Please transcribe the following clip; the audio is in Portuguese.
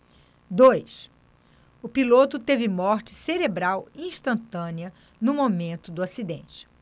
dois o piloto teve morte cerebral instantânea no momento do acidente